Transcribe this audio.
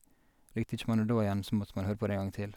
Likte ikke man det da igjen, så måtte man høre på det en gang til.